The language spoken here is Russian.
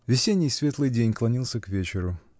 Весенний, светлый день клонился к вечеру